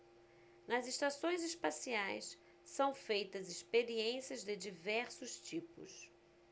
nas estações espaciais são feitas experiências de diversos tipos